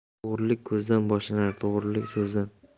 o'g'rilik ko'zdan boshlanar to'g'rilik so'zdan